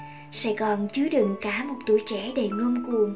sài gòn chứa đựng cả một tuổi trẻ đầy ngông cuồng